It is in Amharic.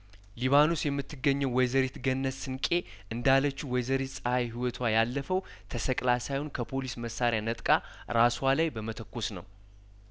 ሊባኖስ የምትገኘው ወይዘሪት ገነት ስንቄ እንዳለችው ወይዘሪት ጸሀይ ህይወቷ ያለፈው ተሰቅላ ሳይሆን ከፖሊስ መሳሪያ ነጥቃ ራስዋ ላይ በመተኮስ ነው